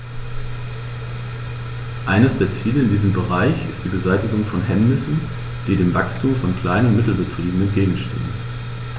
Eines der Ziele in diesem Bereich ist die Beseitigung von Hemmnissen, die dem Wachstum von Klein- und Mittelbetrieben entgegenstehen.